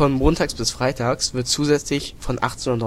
montags-freitags wird zusätzlich von 18.09